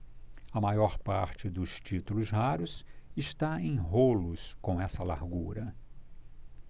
a maior parte dos títulos raros está em rolos com essa largura